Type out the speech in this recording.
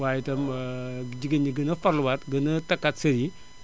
waaye itam jigéen ñi gën a farluwaat gën a takkaat sër yi